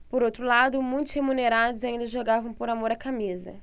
por outro lado muitos remunerados ainda jogavam por amor à camisa